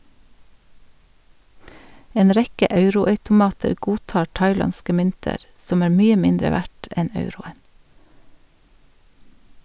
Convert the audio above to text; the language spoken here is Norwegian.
En rekke euro-automater godtar thailandske mynter , som er mye mindre verdt enn euroen.